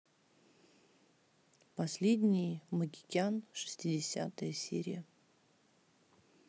последний из магикян шестидесятая серия